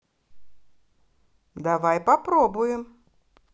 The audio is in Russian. давай попробуем